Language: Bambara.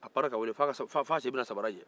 a panna ka wulu f'a sen bɛna sabara jɛ